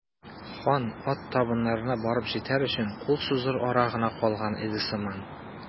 Хан ат табыннарына барып җитәр өчен кул сузыр ара гына калган иде сыман.